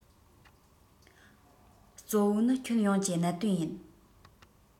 གཙོ བོ ནི ཁྱོན ཡོངས ཀྱི གནད དོན ཡིན